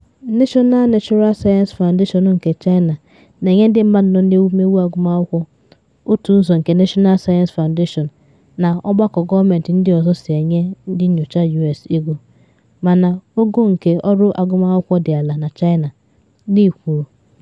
National Natural Science Foundation nke China na enye ndị mmadụ nọ n’ewumewu agụmakwụkwọ ego otu ụzọ nke National Science Foundation na ọgbakọ gọọmentị ndị ọzọ si enye ndị nyocha U.S. ego, mana ogo nke ọrụ agụmakwụkwọ dị ala na China, Lee kwuru.